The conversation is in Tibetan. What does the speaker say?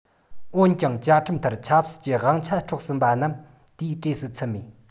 འོན ཀྱང བཅའ ཁྲིམས ལྟར ཆབ སྲིད ཀྱི དབང ཆ ཕྲོགས ཟིན པ རྣམས དེའི གྲས སུ ཚུད མེད